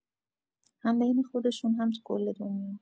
هم بین خودشون هم تو کل دنیا